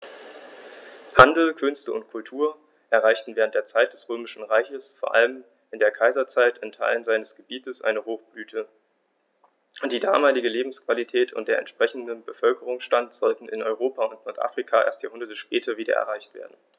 Handel, Künste und Kultur erreichten während der Zeit des Römischen Reiches, vor allem in der Kaiserzeit, in Teilen seines Gebietes eine Hochblüte, die damalige Lebensqualität und der entsprechende Bevölkerungsstand sollten in Europa und Nordafrika erst Jahrhunderte später wieder erreicht werden.